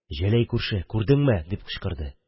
– җәләй күрше, күрдеңме? – дип кычкырды.